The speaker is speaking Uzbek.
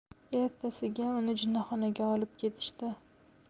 ertasiga uni jinnixonaga olib ketishdi